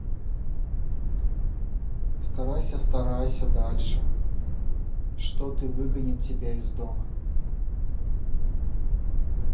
старайся старайся дальше что ты выгонят тебя из дома